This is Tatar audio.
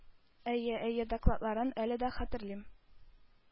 Әйе, әйе, докладларын, әле дә хәтерлим.